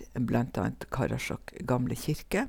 Blant annet Karasjok gamle kirke.